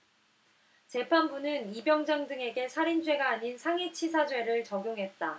재판부는 이 병장 등에게 살인죄가 아닌 상해치사죄를 적용했다